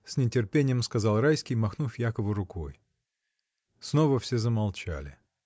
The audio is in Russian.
— с нетерпением сказал Райский, махнув Якову рукой. Снова все замолчали.